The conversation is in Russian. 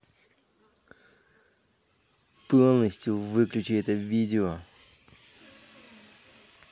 полностью выключи это видео